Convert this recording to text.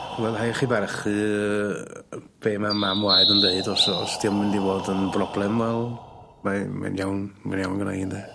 Ch'mo ma' rhai' i chi barchu yy be' ma' mam waed yn deud os os 'di o mynd i fod yn broblem wel mae mae'n iawn mae'n iawn gynna i ynde?